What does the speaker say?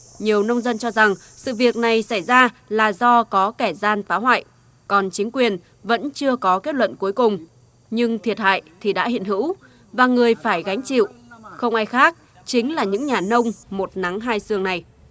nhiều nông dân cho rằng sự việc này xảy ra là do có kẻ gian phá hoại còn chính quyền vẫn chưa có kết luận cuối cùng nhưng thiệt hại thì đã hiện hữu và người phải gánh chịu không ai khác chính là những nhà nông một nắng hai sương này